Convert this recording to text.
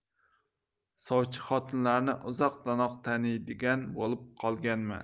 sovchi xotinlarni uzoqdanoq taniydigan bo'lib qolganman